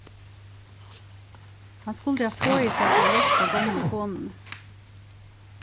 hann skuldi havt boðið sær til at hjálpa gomlu konuni